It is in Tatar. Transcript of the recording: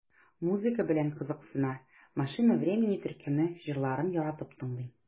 Музыка белән кызыксына, "Машина времени" төркеме җырларын яратып тыңлый.